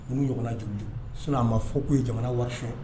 Nu ɲɔgɔn jugu sun a ma fɔ k'u ye jamana waaso